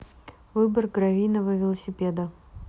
выбор гравийного велосипеда